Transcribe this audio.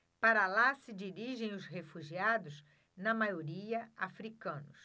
para lá se dirigem os refugiados na maioria hútus